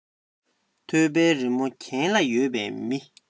ཐོད པའི རི མོ གྱེན ལ ཡོད པའི མི